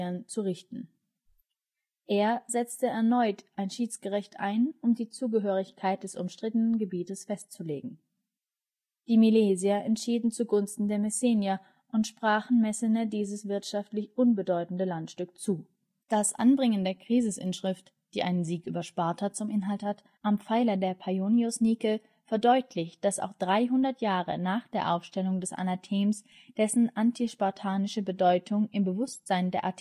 Er setzte erneut ein Schiedsgericht ein, um die Zugehörigkeit des umstrittenen Gebietes festzulegen. Die Milesier entschieden zu Gunsten der Messenier und sprachen Messene dieses wirtschaftlich unbedeutende Landstück zu. Das Anbringen der Krisisinschrift, die einen Sieg über Sparta zum Inhalt hat, am Pfeiler der Paionios-Nike verdeutlicht, dass auch 300 Jahre nach der Aufstellung des Anathems, dessen antispartanische Bedeutung im Bewusstsein der Athener nicht verloren gegangen war